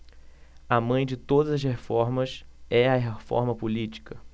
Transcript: a mãe de todas as reformas é a reforma política